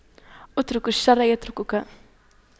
اترك الشر يتركك